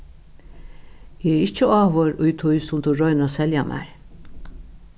eg eri ikki áhugaður í tí sum tú roynir at selja mær